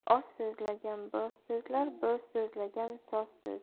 oz so'zlagan boz so'zlar boz so'zlagan soz so'zlar